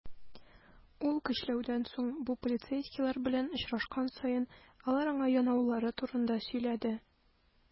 Ул, көчләүдән соң, бу полицейскийлар белән очрашкан саен, алар аңа янаулары турында сөйләде.